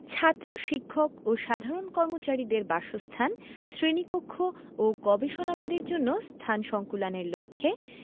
ছাত্র শিক্ষক ও সাধারণ কর্মচারীদের বাসস্থান শ্রেণীকক্ষ ও গবেষণাগারের জন্য স্থান সংকুলানের লক্ষ্যে